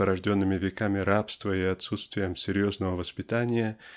порожденными веками рабства и отсутствием серьезного воспитания